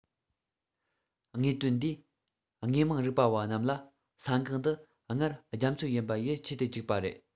དངོས དོན འདིས དངོས མང རིག པ བ རྣམས ལ ས འགག འདི སྔར རྒྱ མཚོ ཡིན པ ཡིད ཆེས དུ བཅུག པ རེད